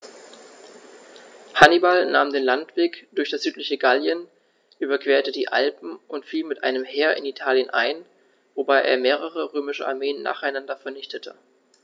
Hannibal nahm den Landweg durch das südliche Gallien, überquerte die Alpen und fiel mit einem Heer in Italien ein, wobei er mehrere römische Armeen nacheinander vernichtete.